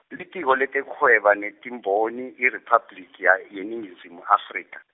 Litiko leTekuhweba netimboni IRiphabliki ya, yeNingizimu Afrika.